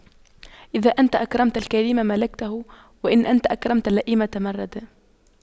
إذا أنت أكرمت الكريم ملكته وإن أنت أكرمت اللئيم تمردا